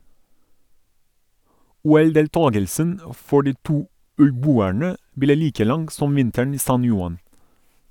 OL-deltagelsen for de to øyboerne ble like lang som vinteren i San Juan.